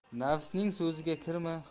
nafsning so'ziga kirma